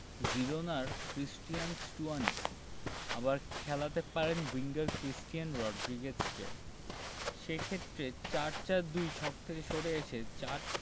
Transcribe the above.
জিরোনার Cristhian Stuani আবার খেলাতে পারেন উইঙ্গার ক্রিস্টিয়ান রড্রিগেজকেও সে ক্ষেত্রে ৪ ৪ ২ ছক থেকে সরে এসে ৪